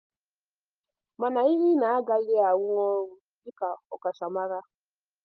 Mana Irina agaghị arụ ọrụ dịka ọkachamara.